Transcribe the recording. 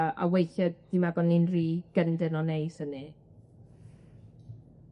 A a weithie dwi'n me'wl bo' ni'n ry gyndyn o neud hynny.